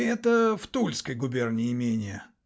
-- Это в Тульской губернии имение?